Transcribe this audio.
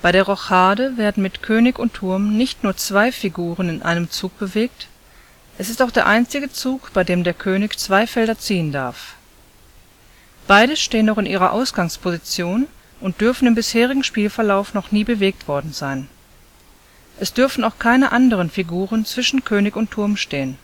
der Rochade werden mit König und Turm nicht nur zwei Figuren in einem Zug bewegt, es ist auch der einzige Zug, bei dem der König zwei Felder ziehen darf. Beide stehen noch in ihrer Ausgangsposition und dürfen im bisherigen Spielverlauf noch nie bewegt worden sein. Es dürfen auch keine anderen Figuren zwischen König und Turm stehen